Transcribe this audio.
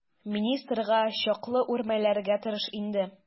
Министрга чаклы үрмәләргә тырыш инде.